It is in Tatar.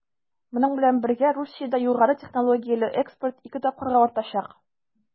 Моның белән бергә Русиядә югары технологияле экспорт 2 тапкырга артачак.